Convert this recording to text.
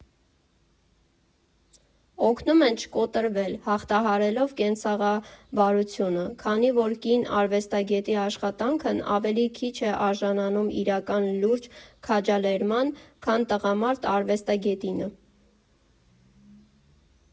Օգնում են չկոտրվել՝ հաղթահարելով կենցաղավարությունը, քանի որ կին արվեստագետի աշխատանքն ավելի քիչ է արժանանում իրական, լուրջ քաջալերման, քան տղամարդ արվեստագետինը։